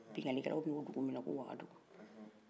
binkanikɛlaw bɛn'o dugu minɛ ko wadugu